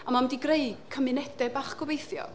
A mae o'n mynd i greu cymunedau bach gobeithio.